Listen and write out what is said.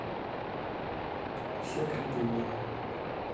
все клипы мира